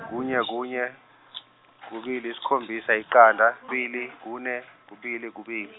kunye kunye kubili yisikhombisa yiqanda -ubili kune kubili kubili.